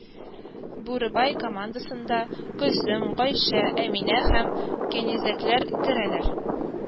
Бүребай командасында Гөлсем, Гайшә, Әминә һәм кәнизәкләр керәләр